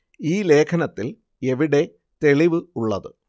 ഈ ലേഖനത്തിൽ എവിടെ തെളിവ് ഉള്ളത്